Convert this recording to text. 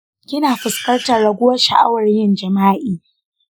kina fuskantar raguwar sha’awar yin jima’i?